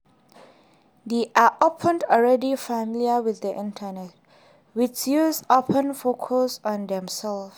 - They are often already familiar with the Internet, with use often focused on themselves.